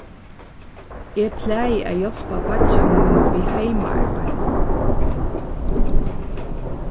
eg plagi at hjálpa beiggja mínum við heimaarbeiðinum